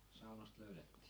saunasta löydettiin